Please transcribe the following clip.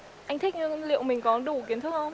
anh thích nhưng liệu mình có đủ kiến thức ông